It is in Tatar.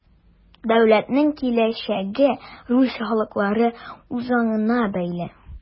Дәүләтнең киләчәге Русия халыклары үзаңына бәйле.